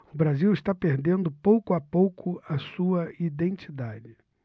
o brasil está perdendo pouco a pouco a sua identidade